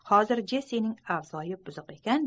hozir jessining avzoyi buzuq ekan